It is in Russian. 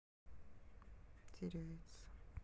теряется